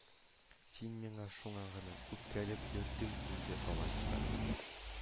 Син миңа шуңа гына үпкәләп йөрдең инде алайса,